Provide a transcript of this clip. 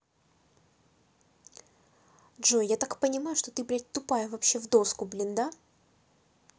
джой я так понимаю что ты блядь тупая вообще в доску блин да